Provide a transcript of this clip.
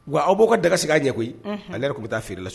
Wa aw' ka dagasigi ɲɛ koyi ale yɛrɛ tun bɛ taa feere la